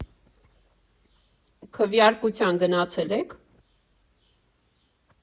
Քվեարկության գնացե՞լ եք։